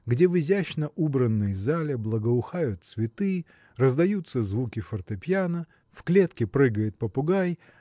где в изящно убранной зале благоухают цветы раздаются звуки фортепиано в клетке прыгает попугай